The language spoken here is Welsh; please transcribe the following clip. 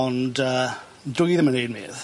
Ond yy dwi ddim yn neud medd.